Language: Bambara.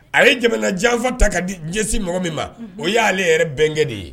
A ye jamana janfa ta ka di jɛsin mɔgɔ min ma o y'aale yɛrɛ bɛngɛn nin ye